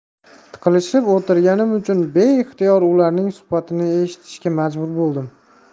tiqilishib o'tirganim uchun beixtiyor ularning suhbatini eshitishga majbur bo'ldim